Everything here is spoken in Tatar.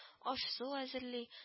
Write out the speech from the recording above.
Аш-су әзерли